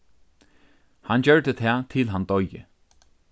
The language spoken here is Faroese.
hann gjørdi tað til hann doyði